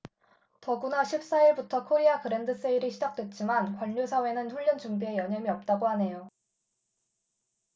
더구나 십 사 일부터 코리아 그랜드세일이 시작됐지만 관료사회는 훈련 준비에 여념이 없다고 하네요